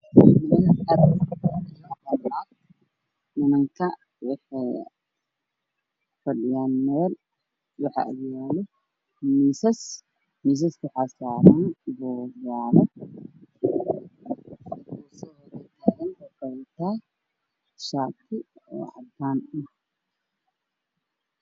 Waxaa ii muuqda hawl ay ku jiraan iyo naago waxa ayna wataan buugaad iyo qalin nin ayaana taagan inta kalena way fadhiyaan qaar waxay qorayaan qaarna ninka ayay fiirinayaan